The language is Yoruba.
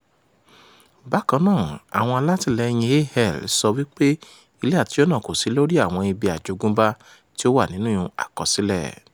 Bákan náà àwọn alátìlẹ́yìn AL sọ wípé ilé àtijọ́ náà kò sí lóríi àwọn ibi àjogúnbá tí ó wà nínú àkọsílẹ̀.